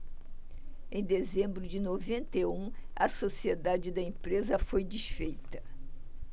em dezembro de noventa e um a sociedade da empresa foi desfeita